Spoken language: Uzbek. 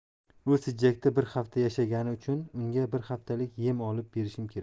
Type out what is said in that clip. u sijjakda bir hafta yashagani uchun unga bir haftalik yem olib berishim kerak